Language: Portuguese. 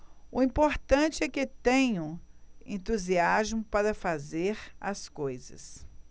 o importante é que tenho entusiasmo para fazer as coisas